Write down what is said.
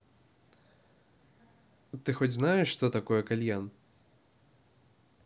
ты хоть знаешь что такое кальян